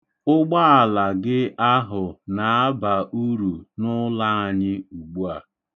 Ụgbaala gị ahụ na-aba uru n'ụlọ anyị ugbua.